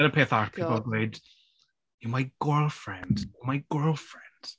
Dyna'r peth arall oedd... god ...e'n gweud "My girlfriend. My girlfriend".